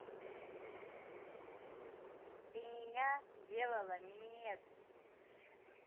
ты меня делала минет